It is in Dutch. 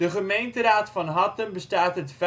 gemeenteraad van Hattem bestaat uit